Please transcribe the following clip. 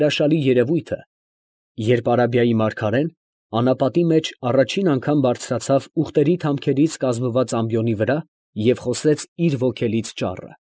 Հրաշալի երևույթը, երբ Արաբիայի մարգարեն անապատի մեջ առաջին անգամ բարձրացավ ուղտերի թամքերից կազմված ամբիոնի վրա և խոսեց իր ոգելից ճառը։